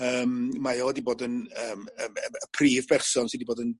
...yym mae o 'di bod yn yym yym yym y prif berson sy 'di bod yn